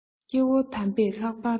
སྐྱེ བོ དམ པས ལྷག པར སྒྲོགས